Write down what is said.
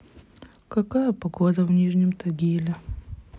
какая погода в нижнем тагиле